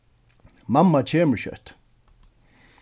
mamma kemur skjótt